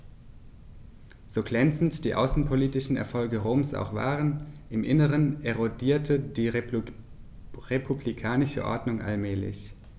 So glänzend die außenpolitischen Erfolge Roms auch waren: Im Inneren erodierte die republikanische Ordnung allmählich.